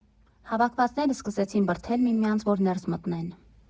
Հավաքվածները սկսեցին բրդել միմյանց, որ ներս մտնեն։